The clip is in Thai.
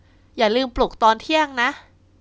อย่าลืมปลุกตอนเที่ยงนะ